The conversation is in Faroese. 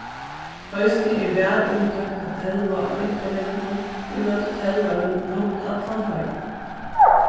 eisini er væl umtókt at telva á internetinum ímóti telvarum runt allan heim